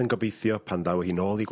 ...yn gobeithio pan daw hi nôl i...